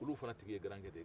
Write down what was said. olu fɛnɛ tigi ye garankɛ de ye